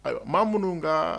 Maa minnu ka